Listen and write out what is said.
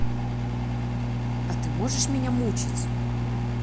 а ты можешь меня мучить